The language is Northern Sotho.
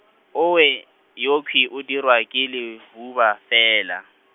o we yokhwi o dirwa ke le hu ba fela.